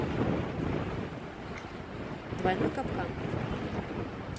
двойной капкан